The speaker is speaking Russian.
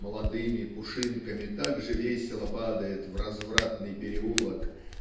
молодыми пушинками так же весело падает в развратный переулок